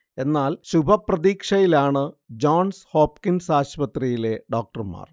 എന്നാൽ, ശുഭപ്രതീക്ഷയിലാണ് Johns Hopkins ആശുപത്രിയിലെ ഡോക്ടർമാർ